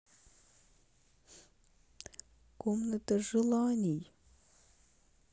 комната желаний